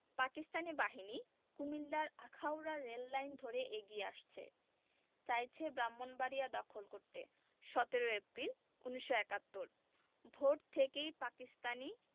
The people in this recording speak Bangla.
পাকিস্তানি বাহিনী কুমিল্লার আখাউড়া রেললাইন ধরে এগিয়ে আসছে চাইছে ব্রাহ্মনবাড়িয়া দখল করতে ১৭ এপ্রিল ১৯৭১ ভোর থেকেই পাকিস্তানি